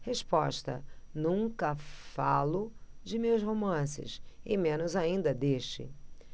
resposta nunca falo de meus romances e menos ainda deste